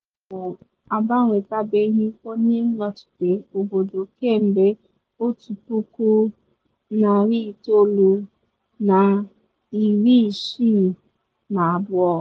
Obodo abụọ ahụ agbanwetabeghị onye nnọchite obodo kemgbe 1962.